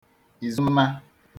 ̀ìzuma